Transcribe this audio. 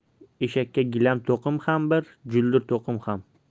eshakka gilam to'qim ham bir juldur to'qim ham